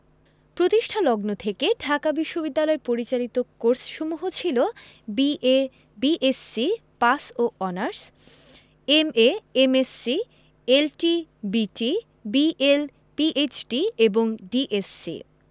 প্রতিষ্ঠালগ্ন থেকে ঢাকা বিশ্ববিদ্যালয় পরিচালিত কোর্সসমূহ ছিল বি.এ বি.এসসি পাস ও honours MA MSc LT BT BL PhD এবং ডিএস.সি